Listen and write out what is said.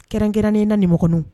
Kɛrɛnkɛrɛnnen in na ninm kɔnɔ